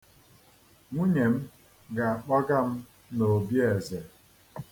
Nwunye m ga-akpọga m n'obi eze.